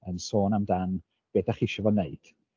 Yn sôn amdan be dach chi isio fo wneud.